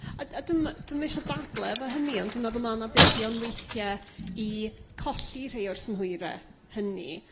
A d- dw'm dw'm isie dadle 'fo hynny ond dwi meddwl ma' 'na buddion weithie i colli rhei o'r synhwyre hynny.